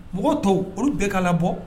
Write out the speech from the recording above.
Mɔgɔ tɔ olu bɛɛ ka na bɔ